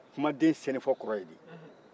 kumaden sɛnɛfɔ kɔrɔ ye di